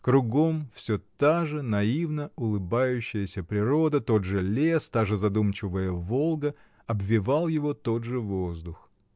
Кругом всё та же наивно улыбающаяся природа, тот же лес, та же задумчивая Волга, обвевал его тот же воздух.